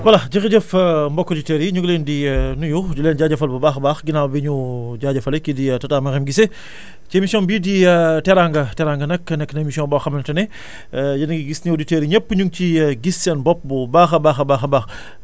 voilà jërëjëf mbokku auditeurs yi ñu ngi leen di nuyu di lee jaajëfal bu baax a baax ginnaaw bi ñu jaajëfalee kii di ta a Marième Guisé ci émission am bii di teraanga teraanga nag nekk na émission boo xamante ne yéen a ngi gis ne auditeurs yi ñëpp ñu ngi ciy gis sezen bopp bu baax a baax a baax a baax